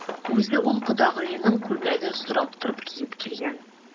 Үзе ул кодагыеның күлмәген сорап торып киеп килгән.